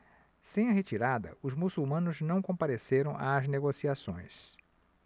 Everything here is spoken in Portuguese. sem a retirada os muçulmanos não compareceram às negociações